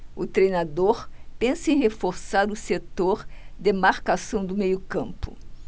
o treinador pensa em reforçar o setor de marcação do meio campo